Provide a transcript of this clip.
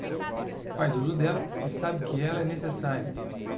faz uso dela porque sabe que ela é necessária